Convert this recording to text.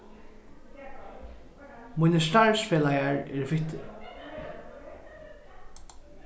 mínir starvsfelagar eru fittir